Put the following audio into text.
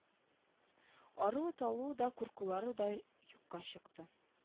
Ару-талуы да куркулары да юкка чыкты